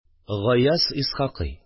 Гаяз Исхакый